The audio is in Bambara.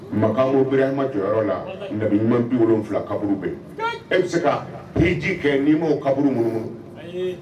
Makan bɛ an ka jɔyɔrɔyɔrɔ la da ɲuman bi wolonfila kaburu bɛɛ e se ii ji kɛ n'i ma o kaburu minnu